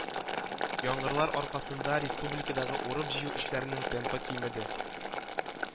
Яңгырлар аркасында республикадагы урып җыю эшләренең темпы кимеде